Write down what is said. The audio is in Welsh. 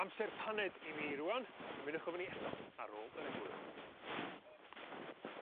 Amser paned i mi rŵan. Ymunwch efo ni eto ar ôl yr egwyl.